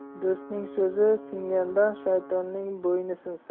do'stning so'zi singandan shaytonning bo'yni sinsin